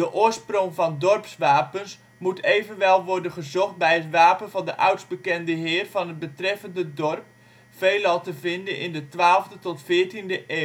oorsprong van dorpswapens moet evenwel worden gezocht bij het wapen van de oudst bekende Heer van het betreffende dorp (veelal te vinden in de 12e tot 14e eeuw